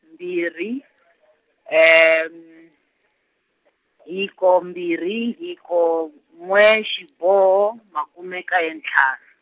mbirhi , hiko mbirhi, hiko n'we xiboho, makume nkaye ntlhanu.